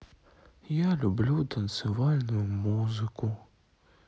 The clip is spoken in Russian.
я люблю танцевальную музыку